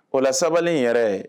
Kɔlɔ sabali in yɛrɛ